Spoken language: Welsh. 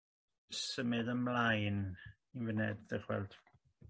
symud ymlaen un funed dewch weld.